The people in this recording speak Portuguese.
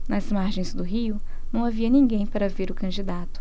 nas margens do rio não havia ninguém para ver o candidato